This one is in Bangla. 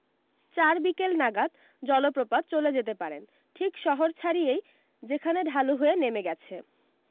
চার বিকেল নাগাদ জলপ্রপাত চলে যেতে পারেন ঠিক শহর ছাড়িয়েই যেখানে ঢালু হয়ে নেমে গেছে